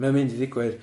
Mae'n mynd i ddigwydd.